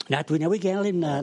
Na dwy newy gel un yy...